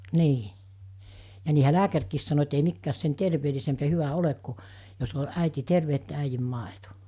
niin ja niinhän lääkärikin sanoi että ei mikään sen terveellisempi ja hyvä ole kuin jos on äiti terve että äidin maito